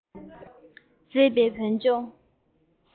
མཛེས པའི བོད ལྗོངས